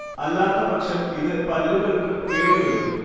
അല്ലാത്ത പക്ഷം ഇത് പല്ലുകൾക്ക് കേടു വരുത്തും